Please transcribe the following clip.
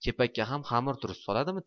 kepakka ham xamirturush soladimi